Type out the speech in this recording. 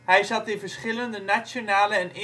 Hij zat in verschillende nationale en